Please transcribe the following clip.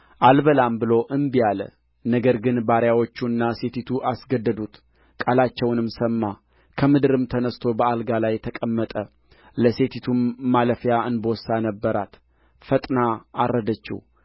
አልበላም ብሎ እንቢ አለ ነገር ግን ባሪያዎቹና ሴቲቱ አስገደዱት ቃላቸውንም ሰማ ከምድርም ተነሥቶ በአልጋ ላይ ተቀመጠ ለሴቲቱም ማለፊያ እንቦሳ ነበራት ፈጥና አረደችው